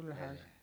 elää